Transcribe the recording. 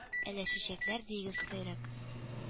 Әләшәчәкләр диегез койрык